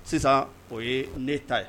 Sisan o ye ne ta ye